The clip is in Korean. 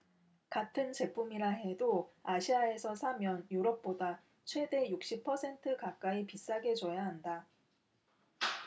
같은 제품이라 해도 아시아에서 사면 유럽보다 최대 육십 퍼센트 가까이 비싸게 줘야 한다